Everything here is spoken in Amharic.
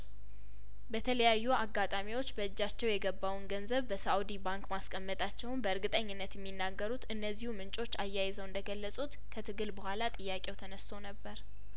በተለያዩ አጋጣሚዎች በእጃቸው የገባውን ገንዘብ በሳኡዲ ባንክ ማስቀመጣቸውን በእርግጠኝነት እሚናገሩት እነዚሁ ምንጮች አያይዘው እንደገለጹት ከትግል በኋላ ጥያቄው ተነስቶ ነበር